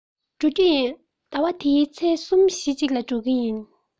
ད དུང སོང མེད ཟླ བ འདིའི ཚེས གསུམ བཞིའི གཅིག ལ འགྲོ གི ཡིན